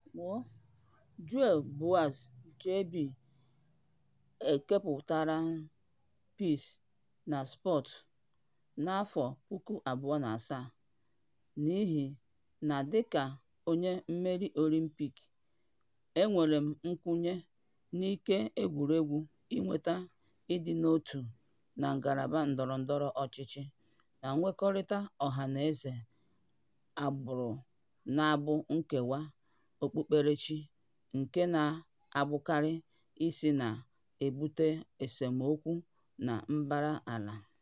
Joël Bouzou (JB): e keputara m Peace na Sport na 2007 n'ihi na, dị ka onye mmeri Olympic, e nwere m nkwenye n'ike egwuregwu iweta ịdị n'otu na ngalaba ndọrọndọrọ ọchịchị, mmekọrịta ọhanaeze, agbụrụ maọbụ nkewa okpukperechi, nke na-abụkarị isi ihe na-ebute esemokwu na mbara ala.